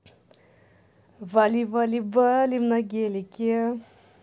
вали вали валим на гелике